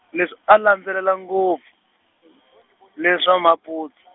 leswi, a landzelela ngopf- , leswa maputs-.